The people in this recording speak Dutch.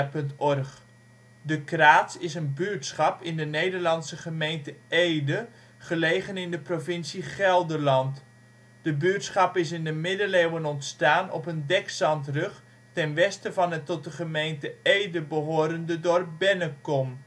OL De Kraats Plaats in Nederland Situering Provincie Gelderland Gemeente Ede Coördinaten 52° 0′ NB, 5° 38′ OL Detailkaart Locatie in de gemeente Portaal Nederland De Kraats is een buurtschap in de Nederlandse gemeente Ede, gelegen in de provincie Gelderland. De buurtschap is in de middeleeuwen ontstaan op een dekzandrug ten westen van het tot de gemeente Ede behorende dorp Bennekom